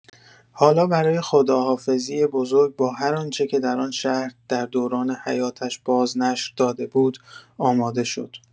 حالا برای خداحافظی بزرگ با هر آنچه که در آن شهر، در دوران حیاتش بازنشر داده بود، آماده شد.